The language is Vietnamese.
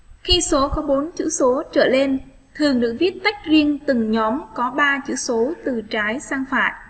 khi số có bốn chữ số trở lên thường được viết tách riêng từng nhóm có chữ số từ trái sang phải